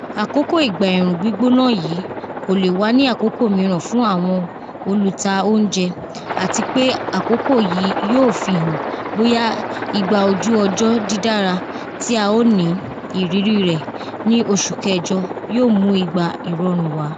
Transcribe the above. Akoko igba ẹrun gbigbona yii kole wa ni akoko miiran fun awọn oluta ounjẹ ati pe akoko ni yoo fihan boya igba oju ọjọ didara ti a o ni iriri rẹ ni oṣu kẹjọ yoo mu igba irọrun wa.’’